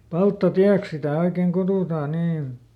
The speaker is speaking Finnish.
Palttatieksi sitä oikein kutsutaan niin